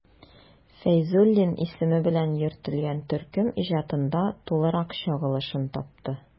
Фәйзуллин исеме белән йөртелгән төркем иҗатында тулырак чагылышын тапты.